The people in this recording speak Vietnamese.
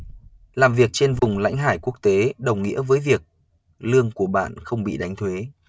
làm việc trên vùng lãnh hải quốc tế đồng nghĩa với việc lương của bạn không bị đánh thuế